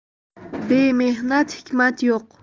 bemehnat hikmat yo'q